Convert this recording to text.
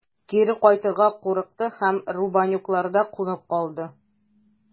Кире кайтырга курыкты һәм Рубанюкларда кунып калды.